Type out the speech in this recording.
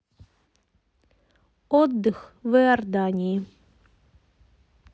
отдых в иордании